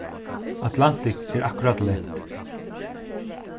atlantic er akkurát lent